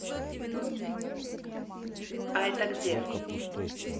а это где